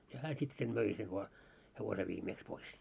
ja hän sitten sen möi sen - hevosen viimeksi pois